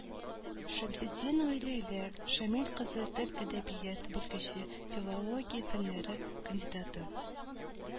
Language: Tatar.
Шәмсетдинова Ләйлә Шамил кызы – тел-әдәбият белгече, филология фәннәре кандидаты